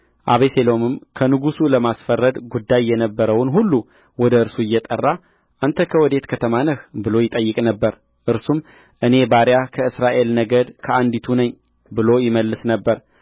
አቤሴሎምም ከንጉሥ ለማስፈረድ ጉዳይ የነበረውን ሁሉ ወደ እርሱ እየጠራ አንተ ከወዴት ከተማ ነህ ብሎ ይጠይቅ ነበር እርሱም እኔ ባሪያህ ከእስራኤል ነገድ ከአንዲቱ ነኝ ብሎ ይመልስ ነበር